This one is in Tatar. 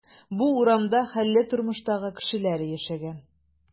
Бу урамда хәлле тормыштагы кешеләр яшәгән.